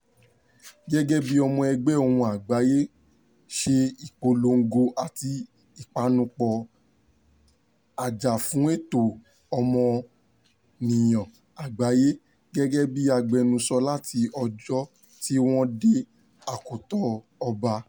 Gẹ́gẹ́ bí ọmọ ẹgbẹ́ Ohùn Àgbáyé ṣe ìpolongo àti ìpanupọ̀ ajàfúnẹ̀tọ́ ọmọnìyàn àgbáyé gẹ́gẹ́ bi agbẹnusọ láti ọjọ́ tí wọ́n dé akoto ọba.